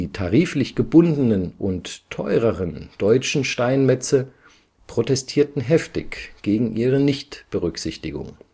tariflich gebundenen und teureren deutschen Steinmetze protestierten heftig gegen ihre Nichtberücksichtigung